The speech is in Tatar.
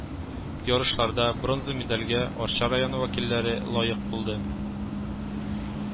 Ярышларда бронза медальгә Арча районы вәкилләре лаек булды